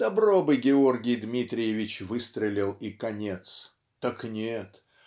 Добро бы Георгий Дмитриевич выстрелил - и конец так нет